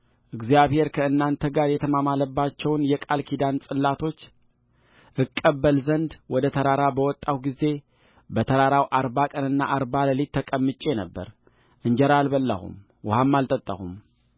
እግዚአብሔር ከእናንተ ጋር የተማማለባቸውን የቃል ኪዳን ጽላቶች እቀበል ዘንድ ወደ ተራራ በወጣሁ ጊዜ በተራራው አርባ ቀንና አርባ ሌሊት ተቀምጬ ነበር እንጀራ አልበላሁም ውኃም አልጠጣሁም